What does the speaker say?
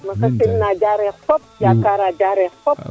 maxey simna Jaarer fop yakara Jaare fop